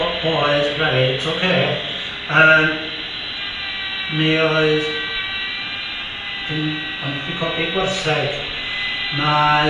O- oedd reit ocê yym mi oedd... cyn pan i di codi gwartheg mae-